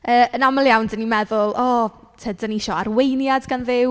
Yy yn aml iawn dan ni'n meddwl, "o t- dan ni isie arweiniad gan Dduw".